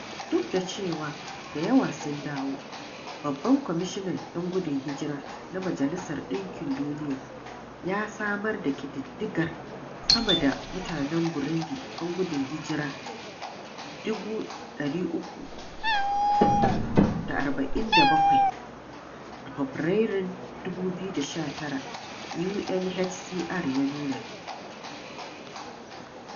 Duk da cewa da yawa sun dawo, babban kwamishin 'yan gudun hijira na Majalisar ɗinkin Duniya ya samar da ƙididdigar sama da mutanen Burundi 'yan gudun hijira 347,000 a Fabarairun 2019 UNHCR ya nuna: